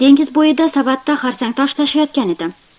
dengiz bo'yidan savatda xarsangtosh tashiyotgan edim